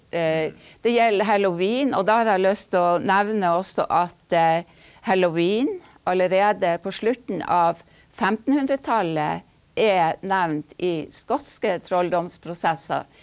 det gjelder Hallowen, og da har jeg lyst til å nevne også at halloween allerede på slutten av femtenhundretallet er nevnt i skotske trolldomsprosesser.